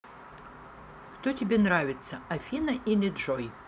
кто тебе нравится афина или джой